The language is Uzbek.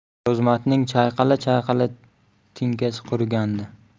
o'rozmatning chayqala chayqala tinkasi qurigan edi